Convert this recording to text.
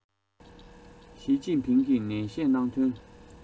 ཞིས ཅིན ཕིང གིས ནན བཤད གནང དོན